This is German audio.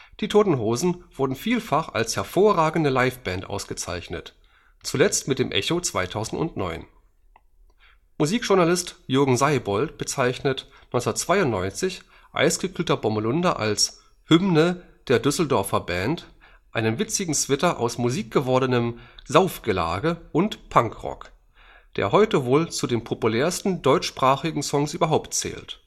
Die Toten Hosen wurden vielfach als hervorragende Liveband ausgezeichnet, zuletzt mit dem Echo 2009. Musikjournalist Jürgen Seibold bezeichnet 1992 Eisgekühlter Bommerlunder als „ Hymne der Düsseldorfer Band, […] einen witzigen Zwitter aus musikgewordenem Saufgelage und Punkrock, der heute wohl zu den populärsten deutschsprachigen Songs überhaupt zählt